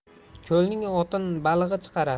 ko'lning otini balig'i chiqarar